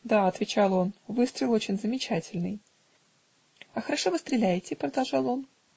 -- Да, -- отвечал он, -- выстрел очень замечательный. А хорошо вы стреляете? -- продолжал он.